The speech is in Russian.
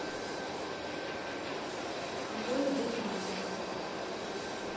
какой где твой мозг